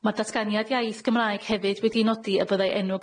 Ma' datganiad iaith Gymraeg hefyd wedi nodi y byddai enw